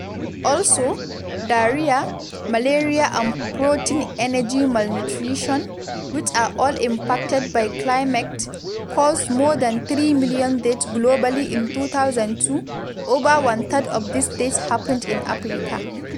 Also, diarrhea, malaria and protein-energy malnutrition, which are all impacted by climate, caused more than 3 million deaths globally in 2002; over one third of these deaths happened in Africa.